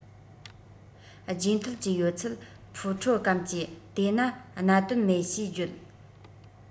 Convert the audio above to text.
རྗེས མཐུད ཀྱི ཡོད ཚད ཕུས ཁྲོ གམ གྱིས དེ ན གནད དོན མེད ཞེས བརྗོད